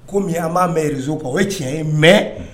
An b'an mɛn rz kɔ o ye tiɲɛ ye mɛn